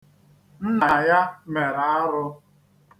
Nna ya mere arụ.